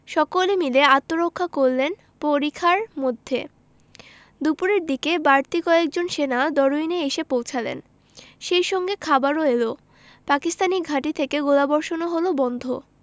সকলে মিলে আত্মরক্ষা করলেন পরিখার মধ্যে দুপুরের দিকে বাড়তি কয়েকজন সেনা দরুইনে এসে পৌঁছালেন সেই সঙ্গে খাবারও এলো পাকিস্তানি ঘাঁটি থেকে গোলাবর্ষণও হলো বন্ধ